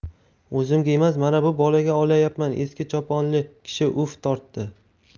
o'zimga emas mana bu bolaga olyapman eski choponli kishi uf tortdi